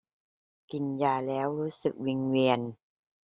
กินยาแล้วรู้สึกวิงเวียน